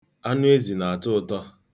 Anụezi na-atọ ụtọ.